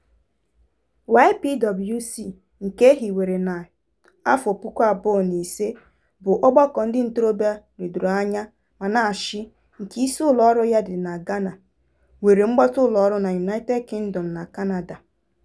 YPWC, nke e hiwere na 2005, bụ ọgbakọ ndị ntorobịa ledoro anya ma na-achị nke isi ụlọọrụ ya dị na Ghana, nwere mgbatị ụlọọrụ na United Kingdom na Canada.